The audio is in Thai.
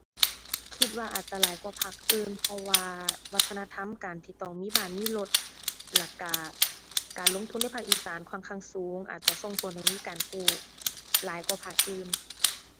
คิดว่าอาจจะหลายกว่าภาคอื่น เพราะว่าวัฒนธรรมการที่ต้องมีบ้านมีรถ และก็การลงทุนในภาคอีสานค่อนข้างสูง อาจจะส่งผลให้มีการกู้หลายกว่าภาคอื่น